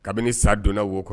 Kabini sa donna wo kɔnɔ